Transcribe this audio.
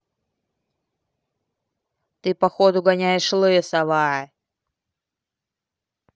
ты походу гоняешь лысого